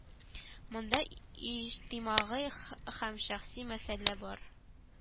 Монда иҗтимагый һәм шәхси мәсьәлә бар